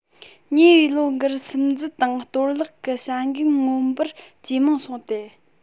ཉེ བའི ལོ འགར སིམ འཛུལ དང གཏོར བརླག གི བྱ འགུལ མངོན པར ཇེ མང སོང སྟེ